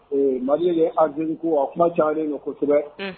Ee Mali ko, a kuma cayalen don kosɛbɛ!